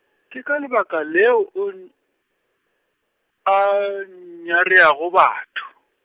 ke ka lebaka leo o n-, a nyareago batho.